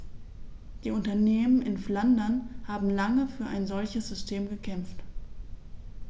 Die Unternehmen in Flandern haben lange für ein solches System gekämpft.